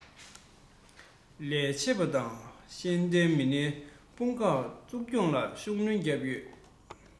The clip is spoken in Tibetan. ལས བྱེད པ དང ཤེས ལྡན མི སྣའི དཔུང ཁག འཛུགས སྐྱོང ལ ཤུགས སྣོན བརྒྱབ ཡོད